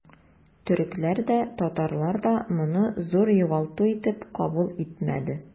Төрекләр дә, татарлар да моны зур югалту итеп кабул итмәде.